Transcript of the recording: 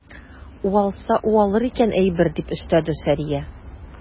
Уалса уалыр икән әйбер, - дип өстәде Сәрия.